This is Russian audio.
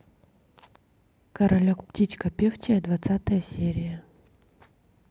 королек птичка певчая двадцатая серия